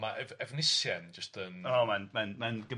ma' Ef- Efnisien jyst yn... O, mae'n mae'n mae'n gymeriad...